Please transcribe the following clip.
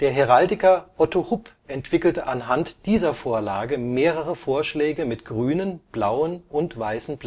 Heraldiker Otto Hupp entwickelte anhand dieser Vorlage mehrere Vorschläge mit grünen, blauen und weißen